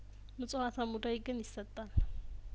ምጽዋ እተ ሙዳይግን ይሰጣል